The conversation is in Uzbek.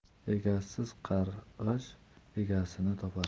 egasiz qarg'ish egasini topar